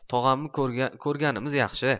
tog'ammi ko'rganimiz yaxshi